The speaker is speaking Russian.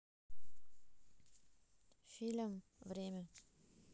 фильм время